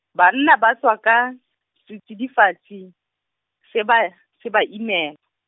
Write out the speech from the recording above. banna ba tswa ka, setsidifatsi, se baya, se ba imela.